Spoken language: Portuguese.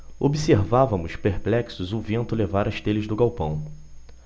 observávamos perplexos o vento levar as telhas do galpão